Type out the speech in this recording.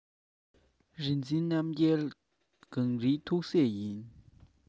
རིག འཛིན རྣམ རྒྱལ གངས རིའི ཐུགས སྲས ཡིན